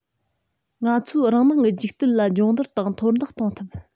ང ཚོའི རང སྣང གི འཇིག རྟེན ལ སྦྱོང བརྡར དང མཐོར འདེགས གཏོང ཐུབ